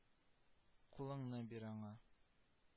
Кулыңны бир аңа